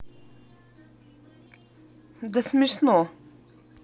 да смешно